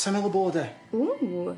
Sai'n meddwl bod e. Ww.